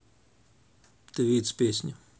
twice песни